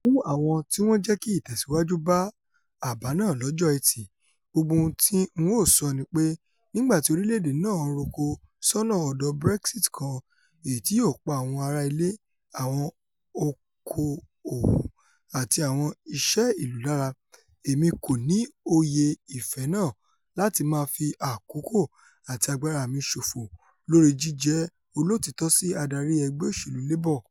Fún àwọn tíwọn jẹ́kí ìtẹ̀síwájú bá àbá náà lọ́jọ́ Ẹtì, gbogbo ohun ti N ó sọ nipé nígbà tí orílẹ̀-èdè náà ńroko sọ́nà ọ̀dọ̀ Brexit kan èyití yóò pa àwọn ara-ilé, àwọn oko-òwò, àti àwọn iṣé ìlú lára, Èmi kòní òye ìfẹ́ náà láti máa fi àkókò àti agbára mi ṣofo lórí jíjẹ́ olóòtítọ́ si adarí ẹgbẹ́ òṣèlú Labour.